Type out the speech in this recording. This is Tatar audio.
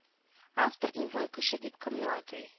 Автор иң бай кеше дип кемне атый